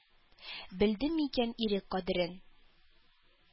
Белдем микән ирек кадерен